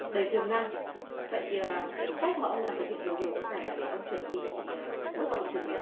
đầy tiềm năng vậy à cái cách mà ông làm thực hiện vừa rồi có phải là để ông chuẩn bị bước vào thị